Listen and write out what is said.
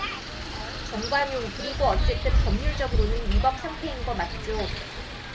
정관용 그리고 어쨌든 법률적으로는 위법 상태인 거 맞죠